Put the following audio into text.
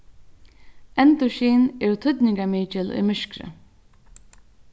endurskin eru týdningarmikil í myrkri